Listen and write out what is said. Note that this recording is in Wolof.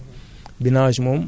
suuf si suuf si day ubbeeku